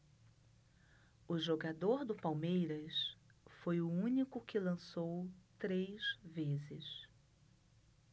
o jogador do palmeiras foi o único que lançou três vezes